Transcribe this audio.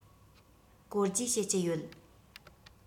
གོ བརྗེ བྱེད ཀྱི ཡོད